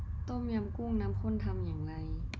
ต้มยำกุ้งน้ำข้นทำอย่างไร